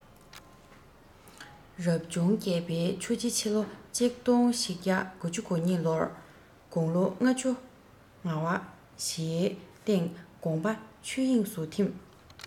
རབ བྱུང བརྒྱད པའི ཆུ བྱི ཕྱི ལོ ༡༤༩༢ ལོར དགུང ལོ ལྔ བཅུ ང བཞིའི སྟེང དགོངས པ ཆོས དབྱིངས སུ འཐིམས